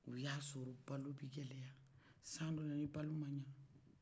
o y'a sɔrɔ balo bɛ kɛlɛya san dɔw ni balo maɲan